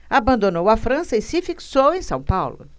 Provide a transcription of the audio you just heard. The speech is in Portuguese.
abandonou a frança e se fixou em são paulo